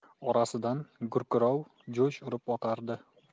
orasidan gurkurov jo'sh urib oqardi